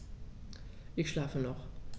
Ich schlafe noch.